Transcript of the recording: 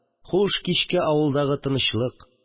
Хуш, кичке авылдагы тынычлык